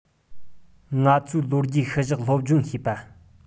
ང ཚོའི ལོ རྒྱུས ཤུལ བཞག སློབ སྦྱོང བྱེད པ